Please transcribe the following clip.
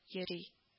Йөри